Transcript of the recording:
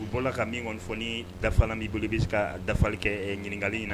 U bɔra la ka min kɔni fɔɔni dafafala'i bolo i bɛ se ka dafafali kɛ ɲininkakali in na